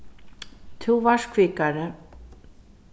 tú vart kvikari